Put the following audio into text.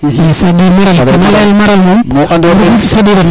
c ' est des maral to anda ye maral moom